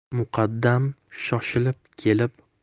muqaddam shoshilib kelib